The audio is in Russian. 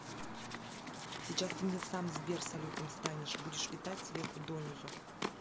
сейчас ты мне сам сбер салютом станешь будешь летать сверху донизу